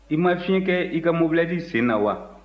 i ma fiɲɛ kɛ i ka mobilɛti sen na wa